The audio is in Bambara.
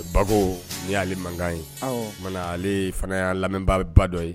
Bako nin yale mankan ye . Ale fana yan lamɛnbaaba dɔ ye